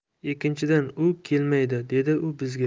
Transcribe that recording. ikkinchidan u kelmaydi dedi u bizga